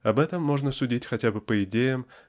Об этом можно судить хотя бы по идеям